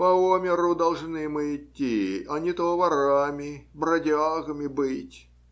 По миру должны мы идти, а не то ворами, бродягами быть.